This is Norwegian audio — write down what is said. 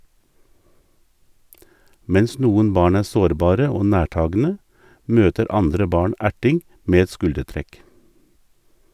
Mens noen barn er sårbare og nærtagende, møter andre barn erting med et skuldertrekk.